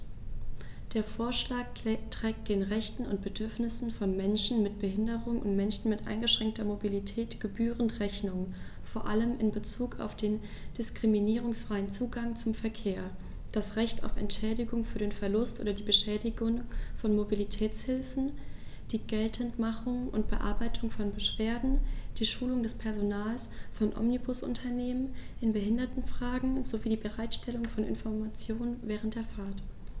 Der Vorschlag trägt den Rechten und Bedürfnissen von Menschen mit Behinderung und Menschen mit eingeschränkter Mobilität gebührend Rechnung, vor allem in Bezug auf den diskriminierungsfreien Zugang zum Verkehr, das Recht auf Entschädigung für den Verlust oder die Beschädigung von Mobilitätshilfen, die Geltendmachung und Bearbeitung von Beschwerden, die Schulung des Personals von Omnibusunternehmen in Behindertenfragen sowie die Bereitstellung von Informationen während der Fahrt.